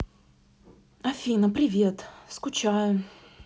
афина привет скучаю